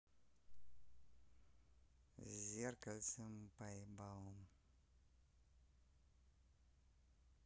зеркальцем по ебалу